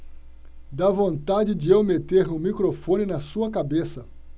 dá vontade de eu meter o microfone na sua cabeça